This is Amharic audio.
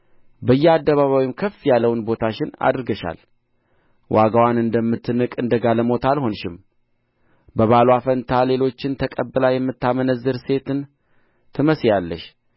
በየአደባባዩም ከፍ ያለውን ቦታሽን አድርገሻል ዋጋዋን እንደምትንቅ እንደ ጋለሞታ አልሆንሽም በባልዋ ፋንታ ሌሎችን ተቀብላ የምታመነዝር ሴትን ትመስያለሽ